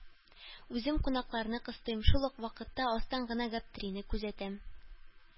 Үзем кунакларны кыстыйм, шул ук вакытта астан гына Гаптерине күзәтәм.